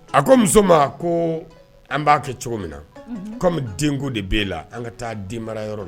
A ko muso ma ko an b'a kɛ cogo min na komi denko de b' e la an ka taa den mara yɔrɔ la